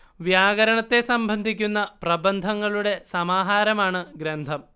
വ്യാകരണത്തെ സംബന്ധിക്കുന്ന പ്രബന്ധങ്ങളുടെ സമാഹാരമാണ് ഗ്രന്ഥം